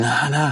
Na na.